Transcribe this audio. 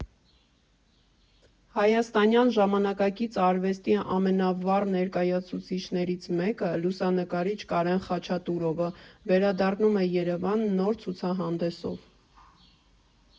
Հայաստանյան ժամանակակից արվեստի ամենավառ ներկայացուցիչներից մեկը՝ լուսանկարիչ Կարեն Խաչատուրովը, վերադառնում է Երևան նոր ցուցահանդեսվ։